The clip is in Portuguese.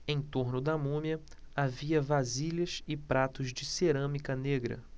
em torno da múmia havia vasilhas e pratos de cerâmica negra